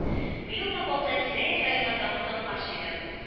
Быел да Балтай тирә-як районнардан кунаклар җыйды